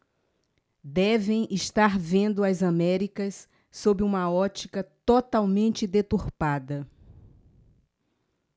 devem estar vendo as américas sob uma ótica totalmente deturpada